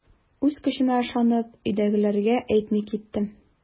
Үз көчемә ышанып, өйдәгеләргә әйтми киттем.